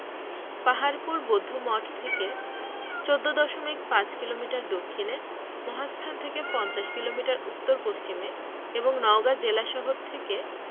পাহাড়পুর বৌদ্ধমঠ থেকে ১৪দশমিক ৫ কিলোমিটার দক্ষিণে মহাস্থান থেকে পঞ্চাশ কিলোমিটার উত্তর পশ্চিমে এবং নওগাঁ জেলাশহর থেকে